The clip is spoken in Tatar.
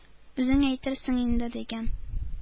Үзең әйтерсең инде,— дигән.